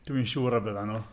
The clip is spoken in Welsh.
Dwi'n siŵr y byddan nhw.